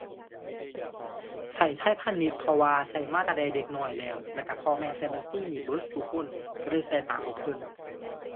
ใช้ไทยพาณิชย์ เพราะว่าใช้มาตั้งแต่เด็กน้อยแล้ว แล้วใช้พ่อแม่ใช้บัญชีนี้เบิดซุคน ใช้เลยใช้ตามพวกเพิ่น